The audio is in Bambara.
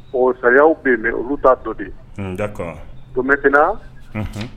Ɔ saya bɛ yen olu t'a tɔ ten tomɛkna